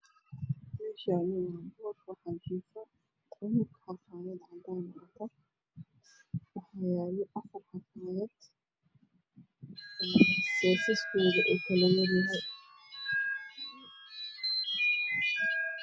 Meshaani waa boor waxaa jifo cunug xafayad wato waxaa yala afar xafayad